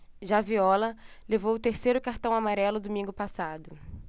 já viola levou o terceiro cartão amarelo domingo passado